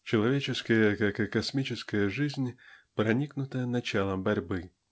Человеческая, как и космическая, жизнь проникнута началом борьбы.